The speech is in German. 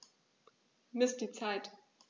Miss die Zeit.